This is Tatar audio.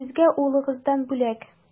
Сезгә улыгыздан бүләк.